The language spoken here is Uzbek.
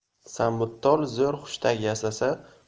sambittol zo'r hushtak yasasa ham